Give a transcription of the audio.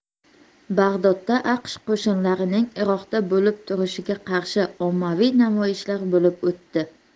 bag'dodda aqsh qo'shinlarining iroqda bo'lib turishiga qarshi ommaviy namoyishlar bo'lib o'tdi